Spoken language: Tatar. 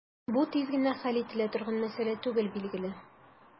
Бу тиз генә хәл ителә торган мәсьәлә түгел, билгеле.